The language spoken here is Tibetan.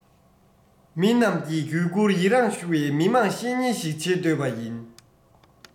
མི རྣམས ཀྱིས གུས བཀུར ཡིད རང ཞུ གུས བཀུར ཡིད རང ཞུ བའི མི དམངས བཤེས གཉེན ཞིག བྱེད འདོད པ ཡིན